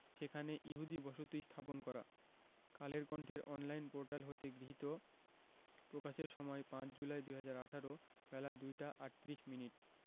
সেখানে ইহুদি বসতি স্থাপন করা কালের কন্ঠের অনলাইন পোর্টাল হতে সংগৃহীত প্রকাশের সময় ৫ জুলাই ২০১৮ বেলা ২টা ৩৮ মিনিট